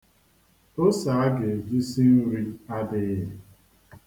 Ose a ga-eji si nri adighị.